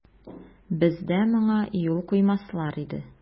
Бездә моңа юл куймаслар иде.